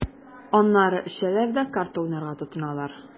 Аннары эчәләр дә карта уйнарга тотыналар.